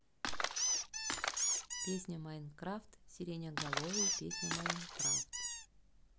песня майнкрафт сиреноголовый песня майнкрафт